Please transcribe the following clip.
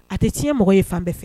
A tɛ tiɲɛ mɔgɔ ye fan bɛɛ fɛ